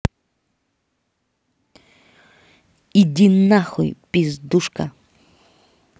иди нахуй пиздушка